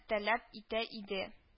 Таләп итә иде